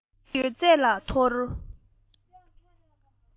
ལུས པོ ཡོད ཚད ལ ཐོར